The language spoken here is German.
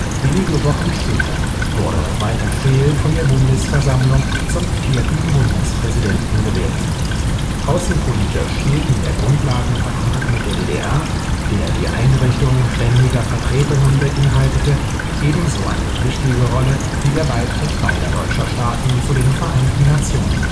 Wenige Wochen später wurde Walter Scheel von der Bundesversammlung zum vierten Bundespräsidenten gewählt. Außenpolitisch spielten der Grundlagenvertrag mit der DDR, der die Einrichtung Ständiger Vertretungen beinhaltete, ebenso eine wichtige Rolle wie der Beitritt beider deutscher Staaten zu den Vereinten Nationen